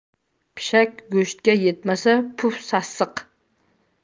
pishak go'shtga yetmasa puf sassiq